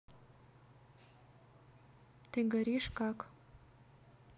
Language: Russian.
ты горишь как